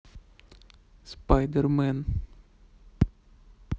спайдермен